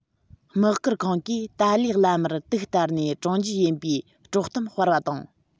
དམག ཁུལ ཁང གིས ཏཱ ལའི བླ མར དུག སྟེར ནས དཀྲོང རྒྱུ ཡིན པའི དཀྲོག གཏམ སྤེལ བ དང